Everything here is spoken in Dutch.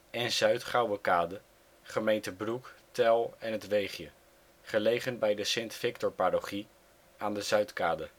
en Zuid Gouwekade (gemeente Broek, Thuil en ' t Weegje) gelegen bij de Sint Victorparochie aan de Zuidkade